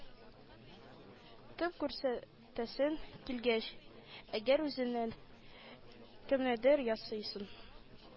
Тып күрсәтәсең килгәч, әгәр үзеннән кемнедер ясыйсың